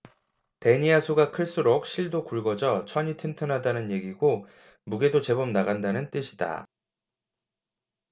데니아 수가 클수록 실도 굵어져 천이 튼튼하다는 얘기고 무게도 제법 나간다는 뜻이다